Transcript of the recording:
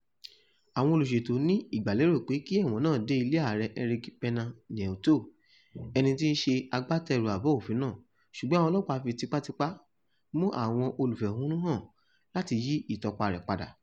Àwọn olúṣètò ní ìgbàlérò pé kí ẹ̀wọ̀n náà ó dé ilé Ààrẹ Enrique Pena Nieto, ẹni tí í ṣe agbátẹrù àbá òfin náà, ṣùgbọ́n àwọn ọlọ́pàá fi tipátipá mú àwọn olúfẹ̀hónú hàn láti yí ìtọpa rẹ̀ padà.